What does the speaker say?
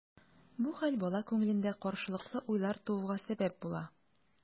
Бу хәл бала күңелендә каршылыклы уйлар тууга сәбәп була.